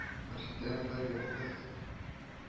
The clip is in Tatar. Мөршидә анда ялгыз